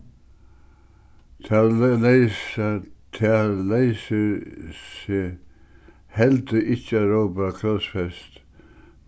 tað tað leysir seg heldur ikki at rópa krossfest